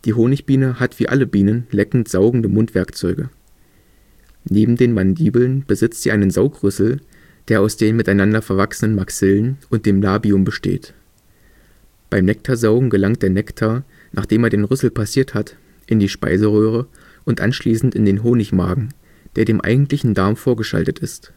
Honigbiene hat wie alle Bienen leckend-saugende Mundwerkzeuge. Neben den Mandibeln besitzen sie einen Saugrüssel, der aus den miteinander verwachsenen Maxillen und dem Labium besteht. Beim Nektarsaugen gelangt der Nektar, nachdem er den Rüssel passiert hat, in die Speiseröhre und anschließend in den Honigmagen, der dem eigentlichen Darm vorgeschaltet ist